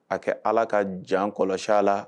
A kɛ allah ka jan kɔlɔsi a la